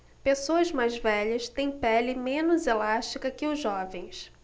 pessoas mais velhas têm pele menos elástica que os jovens